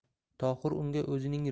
tohir unga o'zining